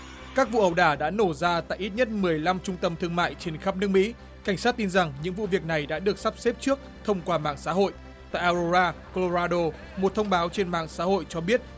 các vụ ẩu đả đã nổ ra tại ít nhất mười lăm trung tâm thương mại trên khắp nước mỹ cảnh sát tin rằng những vụ việc này đã được sắp xếp trước thông qua mạng xã hội tại a ro ra cô lô ra đô một thông báo trên mạng xã hội cho biết